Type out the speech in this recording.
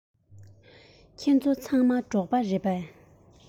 ཁྱེད ཚོ ཚང མ འབྲོག པ རེད